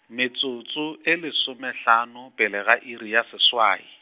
metsotso e lesomehlano, pele ga iri ya seswai.